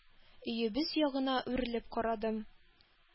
Өебез ягына үрелеп карадым.